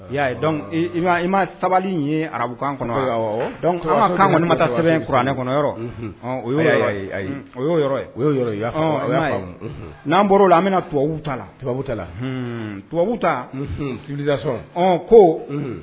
I y'a ye dɔn i ma ta ye arabukan kɔnɔ kɔni ne ma ta sɛbɛn kuranɛ kɔnɔ o y ayi o y n'an b bɔra o la an bɛna tubabubu ta tubabubu ta la tubabubu ta sudida sɔrɔ ɔ ko